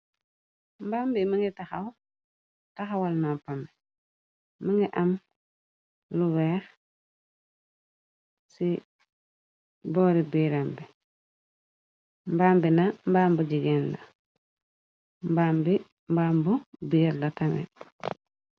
mbambi mënga taxaw taxawal noo pame mënga am luweex ci boori birambi mbambi na mbàmb jigeen la m mbàmb biir la tame